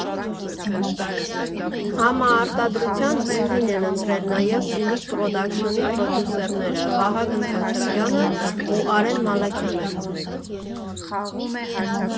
Համարտադրության ուղին են ընտրել նաև «Ուլիկ փրոդաքշնի» պրոդյուսերները՝ Վահագն Խաչատրյանն ու Արեն Մալաքյանը։